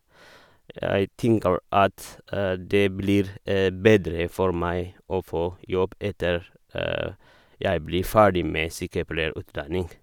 Jeg tenker at det blir bedre for meg å få jobb etter jeg blir ferdig med sykepleierutdanning.